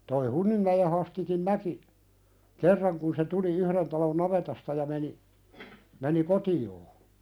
tuo Hunninmäen Hastikin näki kerran kun se tuli yhden talon navetasta ja meni meni kotiinsa